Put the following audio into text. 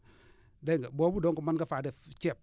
dégg nga boobu donc mën nga faa def ceeb